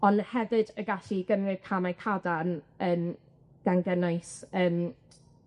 on' hefyd y gallu i gynnwys camau cadarn, yn gan gynnwys yym